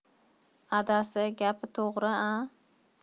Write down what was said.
adasi gapi to'g'ri a